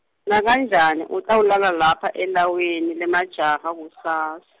nakanjani utawulala lapha elawini lemajaha kusas-.